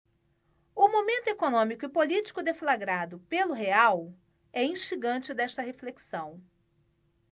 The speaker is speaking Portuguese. o momento econômico e político deflagrado pelo real é instigante desta reflexão